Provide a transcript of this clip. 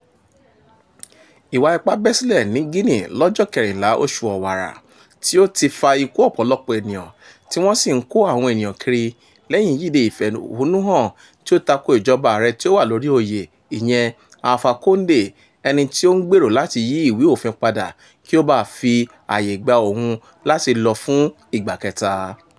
Ìwà ipá bẹ́ sílẹ̀ ní Guinea lọ́jọ́ 14 oṣù Ọ̀wàrà, tí ó ti fa ikú ọ̀pọ̀lọpọ̀ ènìyàn tí wọ́n sì ń kó àwọn ènìyàn kiri lẹ́yìn ìyíde ìféhónúhàn tí ó tako ìjọba ààrẹ tí ó wà lórí oyè ìyẹn Alpha Condé, ẹni tí ó ń gbèrò láti yí ìwé-òfin padà kí ó bá fi ààyè gba òun láti lọ fún ìgbà kẹta.